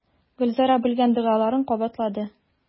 Гөлзәрә белгән догаларын кабатлады.